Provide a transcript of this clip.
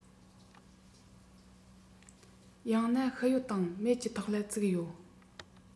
ཡང ན ཤི ཡོད དང མེད ཀྱི ཐོག ལ བཙུགས ཡོད